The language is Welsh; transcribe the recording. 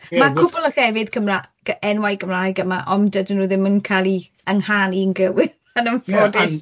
Ma' cwpwl o llefydd Cymra- g-, enwau Cymraeg yma, ond ydyn nhw ddim yn cael 'i ynghanu'n gywir, yn anffodus.